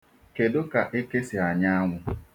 Kedụ ka eke si anya anwụ.